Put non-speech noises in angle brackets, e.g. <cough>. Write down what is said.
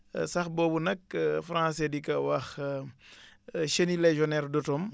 <hesitation> sax boobu nag <hesitation> français di ko wax <hesitation> <breath> chenille légionnaire d' automne